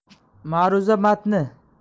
ma'ruza matni